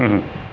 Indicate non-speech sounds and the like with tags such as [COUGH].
[HESITATION] [HESITATION] [NOISE]